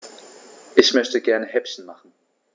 Ich möchte gerne Häppchen machen.